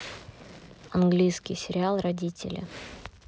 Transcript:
английский сериал родители